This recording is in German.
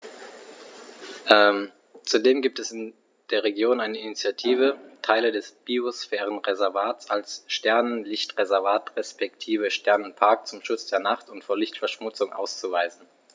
Zudem gibt es in der Region eine Initiative, Teile des Biosphärenreservats als Sternenlicht-Reservat respektive Sternenpark zum Schutz der Nacht und vor Lichtverschmutzung auszuweisen.